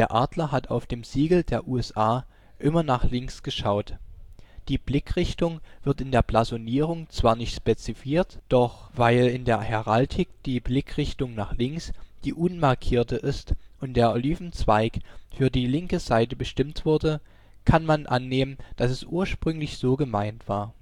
Adler hat auf dem Siegel der USA immer nach links geschaut. Die Blickrichtung wird in der Blasonierung zwar nicht spezifiziert, doch weil in der Heraldik die Blickrichtung nach links die unmarkierte ist, und der Olivenzweig für die linke Seite bestimmt wurde, kann man annehmen, dass es ursprünglich so gemeint war